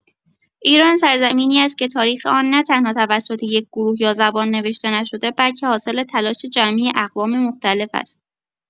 ایران سرزمینی است که تاریخ آن نه‌تنها توسط یک گروه یا زبان نوشته نشده، بلکه حاصل تلاش جمعی اقوام مختلف است.